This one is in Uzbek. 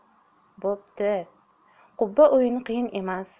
bo'pti qubba o'yini qiyin emas